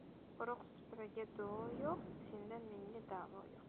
quruq supraga duo yo'q sendan menga davo yo'q